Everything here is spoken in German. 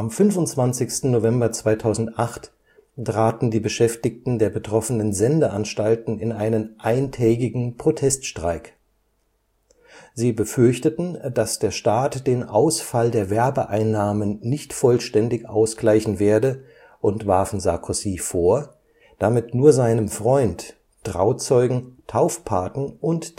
25. November 2008 traten die Beschäftigten der betroffenen Sendeanstalten in einen eintägigen Proteststreik. Sie befürchteten, dass der Staat den Ausfall der Werbeeinnahmen nicht vollständig ausgleichen werde und warfen Sarkozy vor, damit nur seinem Freund, Trauzeugen, Taufpaten und